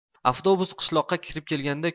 avtobus qishloqqa kirib kelganda